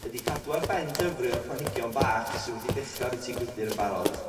ydi cadw ar ben dyfrio'r planhigion bach sy wedi dechra yn y tŷ gwydyr yn barod